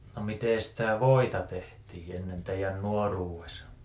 no miten sitä voita tehtiin ennen teidän nuoruudessa